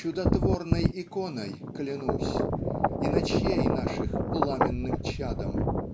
Чудотворной иконой клянусь И ночей наших пламенным чадом